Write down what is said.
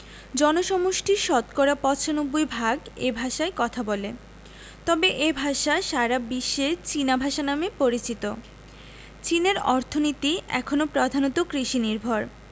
জনসমষ্টির শতকরা ৯৫ ভাগ এ ভাষায় কথা বলে তবে এ ভাষা সারা বিশ্বে চীনা ভাষা নামে পরিচিত চীনের অর্থনীতি এখনো প্রধানত কৃষিনির্ভর